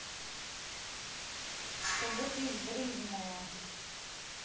чтобы ты сбрызнула